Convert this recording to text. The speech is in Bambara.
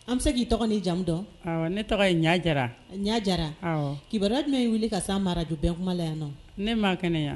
An bɛ se k'i tɔgɔ ni jamu dɔn? Awɔ, ne tɔgɔ ye Ɲa Jara, Ɲa Jara, awɔ, kibaruya jumen ye wili ka se anw man rajo bɛɛ kuma la yan nɔ ne ma kɛnɛya.